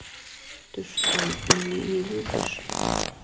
ты что меня не любишь